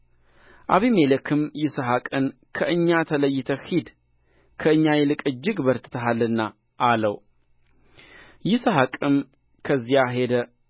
አቢሜሌክም ይስሐቅን ከእኛ ተለይተህ ሂድ ከእኛ ይልቅ እጅግ በርትተሃልና አለው ይስሐቅም ከዚያ ሄደ